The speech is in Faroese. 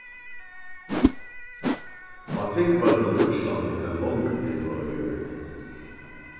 á tingvøllum í íslandi er ein long riva í jørðini